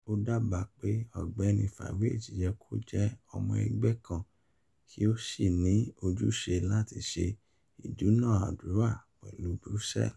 Ó dábà pé Ọ̀gbẹ́ni Farage yẹ kó jẹ ọmọ ẹgbẹ́ kan kí ó sì ní ojúse láti ṣe ìdúnàádúrà pẹ̀lú Brussels.